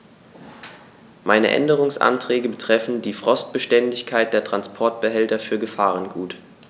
Meine Änderungsanträge betreffen die Frostbeständigkeit der Transportbehälter für Gefahrgut.